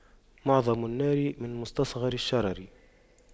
معظم النار من مستصغر الشرر